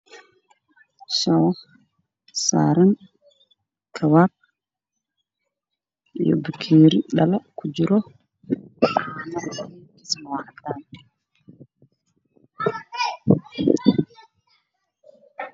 Shabaq saaran kabaak iyo bakeeri